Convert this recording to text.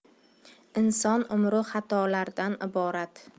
inson umri xatolardan iborat